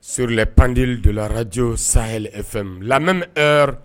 Sur les pendules de la Radio Sahel FM. La même heure